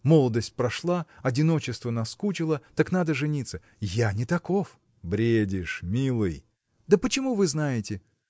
Молодость прошла, одиночество наскучило, так надо жениться! Я не таков! – Бредишь, милый. – Да почему вы знаете?